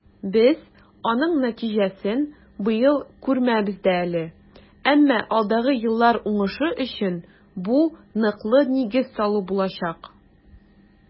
Без аның нәтиҗәсен быел күрмәбез дә әле, әмма алдагы еллар уңышы өчен бу ныклы нигез салу булачак.